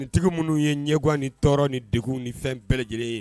Nintigiw minnu ye ɲɛwan ni tɔɔrɔ ni deg ni fɛn bɛɛ lajɛlen ye